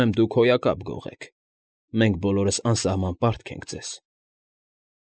Մենք բոլորս անսահման պարտք ենք ձեզ։